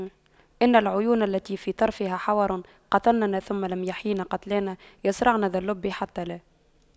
إن العيون التي في طرفها حور قتلننا ثم لم يحيين قتلانا يَصرَعْنَ ذا اللب حتى لا